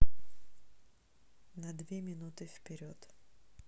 на две минуты вперед